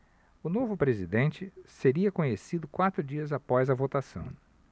o novo presidente seria conhecido quatro dias após a votação